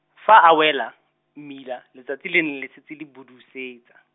fa a wela, mmila, letsatsi le ne le setse le budusetsa.